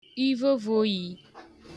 ivovo oyi